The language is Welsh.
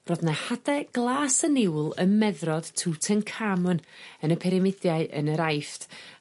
ro'dd 'na hade glas y niwl ym meddrod Tutankhamun yn y pirimidiau yn yr Aifft.